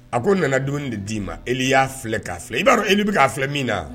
A ko nanadenw de d'i ma e y'a filɛ ka filɛ i b'a e bɛ'a filɛ min na